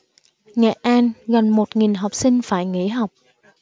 nghệ an gần một nghìn học sinh phải nghỉ học